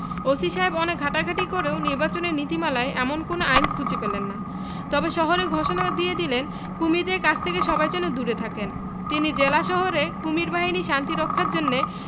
OC সাহেব অনেক ঘাঁটাঘাটি করেও নির্বাচনী নীতিমালায় এমন কোন আইন খুঁজে পেলেন না তবে শহরে ঘোষণা দিয়ে দিলেন কুমীরদের কাছ থেকে সবাই যেন দূরে থাকেন তিনি জেলা শহরে কুমীর বাহিনী শান্তি রক্ষার জন্যে